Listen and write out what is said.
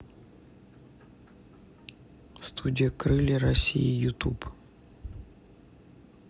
студия крылья россии ютуб